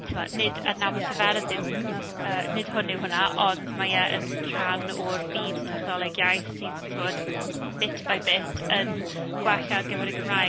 Tibod nid adnabod lleferydd yw yy nid hwn yw hwnna, ond mae e yn rhan o'r byd technoleg iaith sydd timod bit by bit yn gwella ar gyfer y Gymraeg.